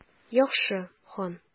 Яхшы, хан.